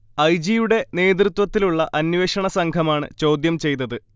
I. G. യുടെ നേതൃത്വത്തിലുള്ള അന്വേഷണ സംഘമാണ് ചോദ്യം ചെയ്തത്